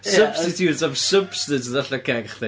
Ia ond... Substitute of substance yn dod allan o cêg chdi.